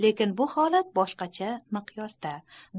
lekin bu holat boshqacha miqyosda